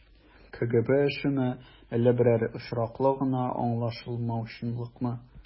КГБ эшеме, әллә берәр очраклы гына аңлашылмаучанлыкмы?